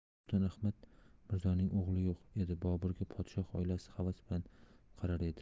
sulton ahmad mirzoning o'g'li yo'q edi boburga podshoh oilasi havas bilan qarar edi